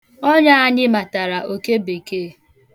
Ọnya anyị matara okebekee.